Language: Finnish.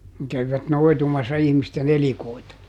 ne kävivät noitumassa ihmisten elikoita